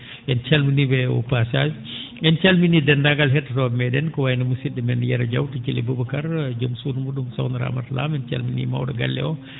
en calminii ?e au passage en calminii deenndaangal hettotoo?e mee?en ko wayi no musid?o men Yero Diaw to Thillé Boubacar jom suudu mu?um sokhna Ramata Lam en calminii maw?o galle oo